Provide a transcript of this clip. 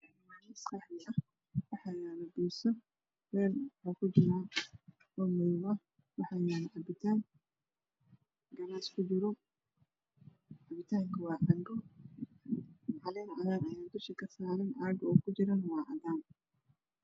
Waa miis qaxwi ah waxaa yaalo biidso waxuu kujiraa meel hool ah waxaa agyaalo cabitaan galaas kujiro. Cabitaanku waa cambo qalin cagaara ayaa dusha kasaaran caaga uu kujirana waa cadaan.